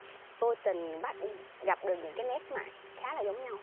vô tình bắt gặp được những nét mặt khá là giống nhau